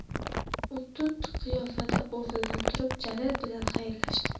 u tund qiyofada o'rnidan turib jalil bilan xayrlashdi